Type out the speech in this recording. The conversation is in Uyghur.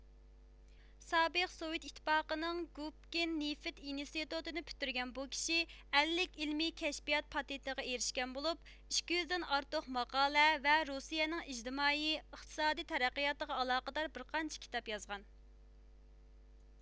سابىق سوۋېت ئىتتىپاقىنىڭ گۇبكىن نېفىت ئېنىستىتوتىنى پۈتتۈرگەن بۇ كىشى ئەللىك ئىلمىي كەشپىيات پاتېنتىغا ئېرىشكەن بولۇپ ئىككى يۈز دىن ئارتۇق ماقالە ۋە روسىيىنىڭ ئىجتىمائىي ئىقتىسادىي تەرەققىياتىغا ئالاقىدار بىر قانچە كىتاب يازغان